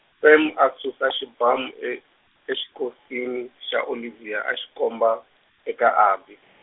Sam a susa xibamu e- exikosini xa Olivia a xi komba, eka Abby.